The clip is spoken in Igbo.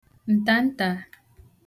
ǹtaǹtàa